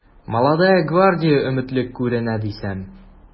“молодая гвардия” өметле күренә дисәм...